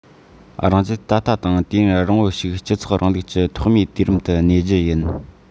རང རྒྱལ ད ལྟ དང དུས ཡུན རིང པོ ཞིག སྤྱི ཚོགས རིང ལུགས ཀྱི ཐོག མའི དུས རིམ དུ གནས རྒྱུ ཡིན